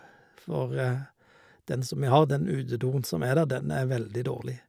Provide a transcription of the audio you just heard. For den som vi har, den utedoen som er der, den er veldig dårlig.